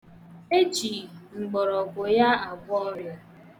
Eji mgbọrọgwụ ya agwọ ọrịa.